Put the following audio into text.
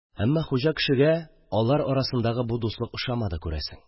Әммә хуҗа кешегә алар арасындагы бу дуслык ошамады, күрәсең